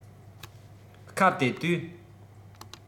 སྐབས དེ དུས